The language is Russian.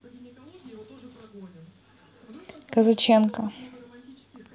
казаченко